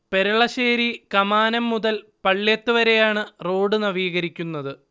പെരളശ്ശേരി കമാനം മുതൽ പള്ള്യത്ത് വരെയാണ് റോഡ് നവീകരിക്കുന്നത്